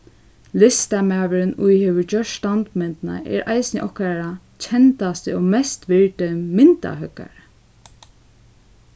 listamaðurin ið hevur gjørt standmyndina er eisini okkara kendasti og mest virdi myndahøggari